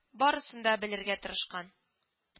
Барысын да белергә тырышкан